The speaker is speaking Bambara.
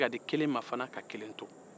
a tɛ se ka di kelen ma fana ka kelen to